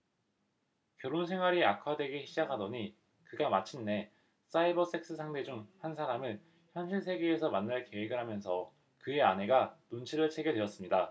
결혼 생활이 악화되기 시작하더니 그가 마침내 사이버섹스 상대 중 한 사람을 현실 세계에서 만날 계획을 하면서 그의 아내가 눈치를 채게 되었습니다